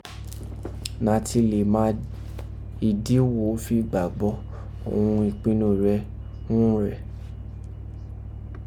nàti lè mà ìdí wo fi gbàgbọ́ òghun ìpinnọ Rẹ̀ ghún rẹ.